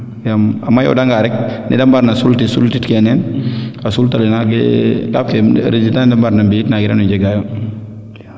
yaa a mayo nda nga rek nede mbarna sultu sultit ke nee a sultale naange kaaf ke resistant ne de mbaag na mbi'it nangirano njega yo